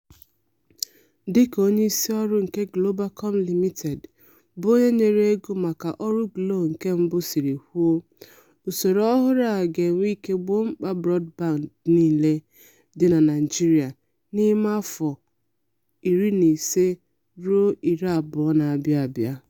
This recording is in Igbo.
Dịka onyeisi ọrụ nke Globacom Limited, bụ onye nyere ego maka ọrụ GLO-1 siri kwuo, usoro ọhụrụ a ga-enwe ike gboo mkpa brọdband niile dị na Naịjirịa n'ime afọ 15 ruo 20 na-abịa abịa.